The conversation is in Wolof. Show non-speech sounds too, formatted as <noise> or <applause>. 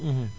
<hesitation> <hesitation>